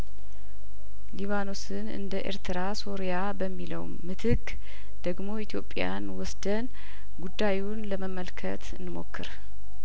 ሊባኖስን እንደኤርትራ ሶርያ በሚለው ምትክ ደግሞ ኢትዮጵያን ወስደን ጉዳዩን ለመመልከት እንሞክር